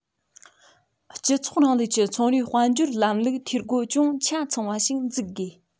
སྤྱི ཚོགས རིང ལུགས ཀྱི ཚོང རའི དཔལ འབྱོར ལམ ལུགས འཐུས སྒོ ཅུང ཚང བ ཞིག འཛུགས དགོས